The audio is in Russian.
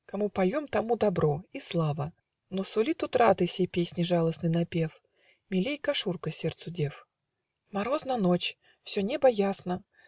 Кому поем, тому добро И слава!" Но сулит утраты Сей песни жалостный напев Милей кошурка сердцу дев . Морозна ночь, все небо ясно